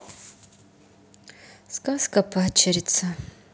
сказка падчерица